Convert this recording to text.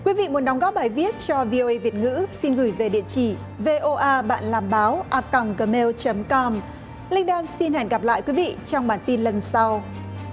quý vị muốn đóng góp bài viết cho vi ô ây việt ngữ xin gửi về địa chỉ vê ô a bạn làm báo a còng gờ mêu chấm com linh đan xin hẹn gặp lại quý vị trong bản tin lần sau